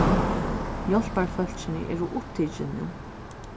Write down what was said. hjálparfólkini eru upptikin nú